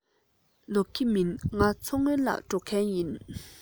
ལོག གི མིན ང མཚོ སྔོན ལ འགྲོ མཁན ཡིན